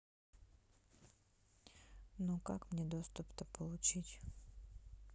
ну как мне доступ то получить